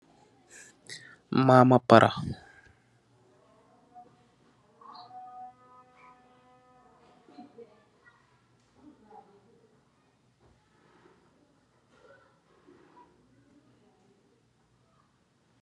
Mamapara